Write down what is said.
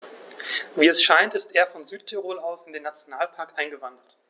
Wie es scheint, ist er von Südtirol aus in den Nationalpark eingewandert.